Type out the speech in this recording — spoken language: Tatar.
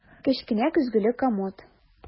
Кечкенә көзгеле комод.